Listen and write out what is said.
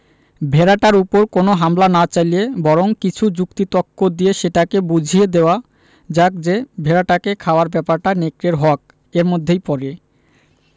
ভেড়াটার উপর কোন হামলা না চালিয়ে বরং কিছু যুক্তি তক্ক দিয়ে সেটাকে বুঝিয়ে দেওয়া যাক যে ভেড়াটাকে খাওয়ার ব্যাপারটা নেকড়ের হক এর মধ্যেই পড়ে